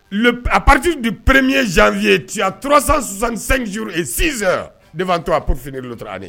Le à partir du 1er janvier tu a 365 jours et 6 heures devant toi pour finir une autre année